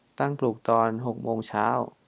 ตั้งปลุกตอนหกโมงเช้า